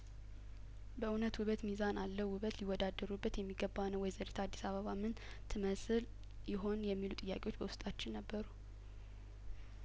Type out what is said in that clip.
በእውነትውበት ሚዛን አለውውበት ሊወዳደሩበት የሚገባ ነው ወይዘሪት አዲስ አበባምንት መስል ይሆን የሚሉ ጥያቄዎች በውስጣችን ነበሩ